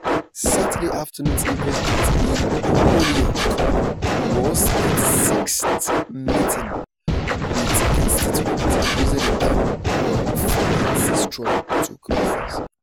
Saturday afternoon's event in Holyoke was her 36th meeting with constituents using the town hall format since Trump took office.